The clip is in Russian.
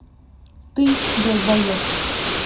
ты долбаеб